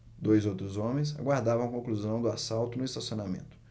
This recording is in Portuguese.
dois outros homens aguardavam a conclusão do assalto no estacionamento